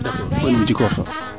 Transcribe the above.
poynum jikoox to